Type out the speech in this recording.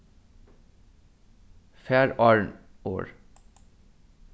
far áðrenn orð